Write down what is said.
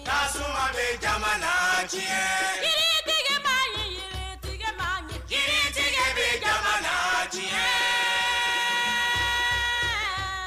Ya bɛ jama j jigitigiba ye hinɛtigi ma min jjɛ bɛ jama diɲɛ